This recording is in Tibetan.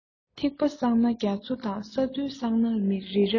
ཐིགས པ བསགས ན རྒྱ མཚོ དང ས རྡུལ བསགས ན རི རབ